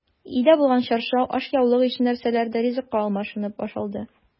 Өйдә булган чаршау, ашъяулык ише нәрсәләр дә ризыкка алмашынып ашалды.